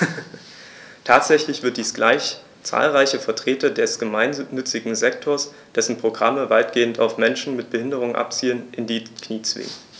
Tatsächlich wird dies gleich zahlreiche Vertreter des gemeinnützigen Sektors - dessen Programme weitgehend auf Menschen mit Behinderung abzielen - in die Knie zwingen.